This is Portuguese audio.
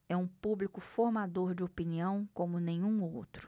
é um público formador de opinião como nenhum outro